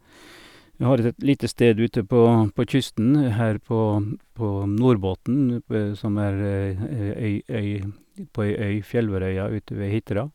Vi har oss et lite sted ute på på kysten her på m på Nordbotten utp som er øy øy utpå ei øy, Fjellværøya, ute ved Hitra.